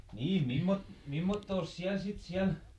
niin - mimmottoos siellä sitten siellä